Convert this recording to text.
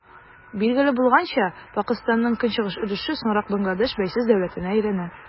Билгеле булганча, Пакыстанның көнчыгыш өлеше соңрак Бангладеш бәйсез дәүләтенә әйләнә.